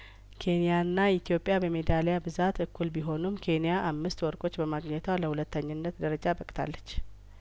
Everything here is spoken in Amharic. ኬንያና ኢትዮጵያ በሜዳሊያ ብዛት እኩል ቢሆኑም ኬንያ አምስት ወርቆች በማግኘትዋ ለሁለተኝነት ደረጃ በቅታለች